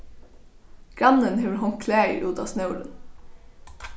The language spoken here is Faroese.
grannin hevur hongt klæðir út á snórin